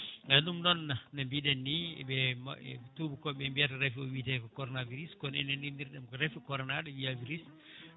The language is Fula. a ɗum noon ne mbiɗen ni e tubakoɓe mbiyata raafi o wiyete ko Corona virus kono enen innirɗen ko raafi corona ɗo yiya virus